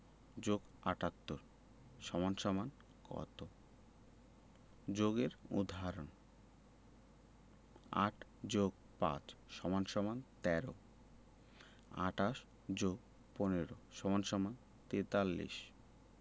+ ৭৮ = কত যোগের উদাহরণঃ ৮ + ৫ = ১৩ ২৮ + ১৫ = ৪৩